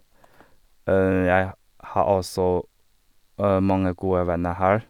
Jeg ha har også mange gode venner her.